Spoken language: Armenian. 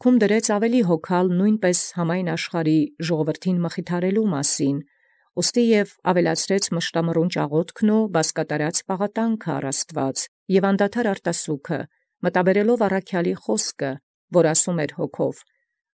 Նոյնպէս առաւել հոգ ի մտի արկանէր զհամաշխարհականս սփոփելոյ. և առաւել աղաւթս մշտնջենամռունչս և բազկատարած պաղատանս առ Աստուած և արտասուս անդադարս, զմտաւ ածելով զառաքելականն, և ասէր հոգալով.